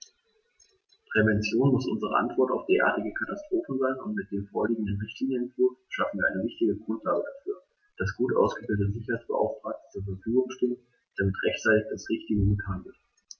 Prävention muss unsere Antwort auf derartige Katastrophen sein, und mit dem vorliegenden Richtlinienentwurf schaffen wir eine wichtige Grundlage dafür, dass gut ausgebildete Sicherheitsbeauftragte zur Verfügung stehen, damit rechtzeitig das Richtige getan wird.